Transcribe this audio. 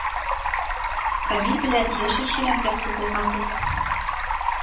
Камил белән яшел чирәмгә сузылганбыз